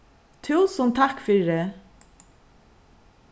túsund takk fyri